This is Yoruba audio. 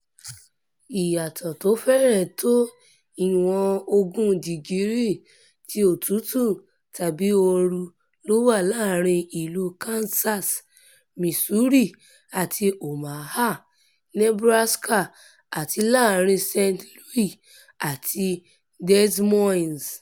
Ìyàtọ̀ tó fẹ́rẹ̀ tó ìwọ̀n ogún dìgírì ti otútù tàbí ooru lówà láàrin Ìlú Kansas, Missouri, àti Omaha, Nebraska, àti láàrín St. Louis àti Des Moines.